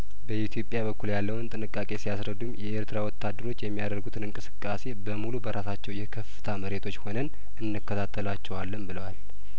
በኢትዮጵያ በኩል ያለውን ጥንቃቄ ሲያስረዱም የኤርትራ ወታደሮች የሚያደርጉትን እንቅስቃሴ በሙሉ በራሳቸው የከፍታ መሬቶች ሆነን እንከታተላቸዋለን ብለዋል